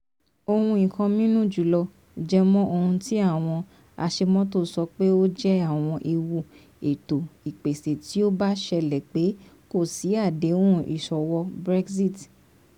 Ohun ìkọminú jùlọ jẹ́mọ́ ohun tí àwọn aṣemọ́tò sọ pé ọ jẹ àwọń èwu ètò ìpèsè tí ó bá ṣẹlẹ̀ pé kò sí àdéhun ìṣòwò Brexit.